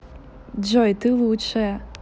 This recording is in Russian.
джой ты лучшая